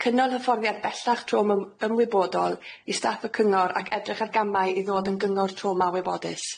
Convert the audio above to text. cynnal hyfforddiant bellach trauma ymwybodol i staff y cyngor ac edrych ar gamau i ddod yn gyngor trauma wybodus.